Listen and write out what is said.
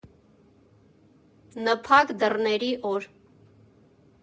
ՆՓԱԿ դռների օր։